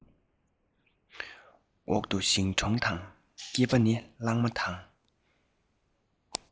འོག ཏུ ཞིང གྲོང དང སྐེད པ ནི གླང མ དང